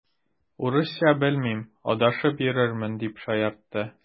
Урысча белмим, адашып йөрермен, дип шаяртты.